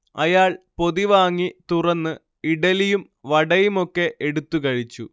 അയാൾ പൊതി വാങ്ങി തുറന്ന് ഇഡ്ഢലിയും വടയുമൊക്കെ എടുത്തുകഴിച്ചു